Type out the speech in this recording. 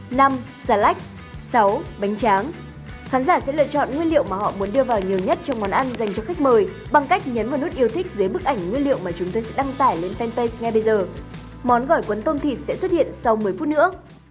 năm xà lách sáu bánh tráng khán giả sẽ lựa chọn nguyên liệu mà họ muốn đưa vào nhiều nhất trong món ăn dành cho khách mời bằng cách nhấn vào nút yêu thích dưới bức ảnh nguyên liệu mà chúng tôi sẽ đăng tải lên phan pây ngay bây giờ món gỏi cuốn tôm thịt sẽ xuất hiện sau mười phút nữa